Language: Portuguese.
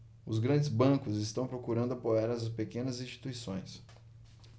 os grandes bancos estão procurando apoiar as pequenas instituições